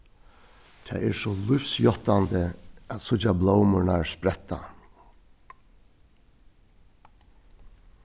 tað er so lívsjáttandi at síggja blómurnar spretta